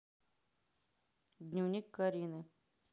дневник карины